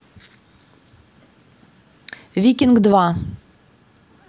викинг два